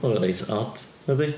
Oedd o'n reit od, nadi?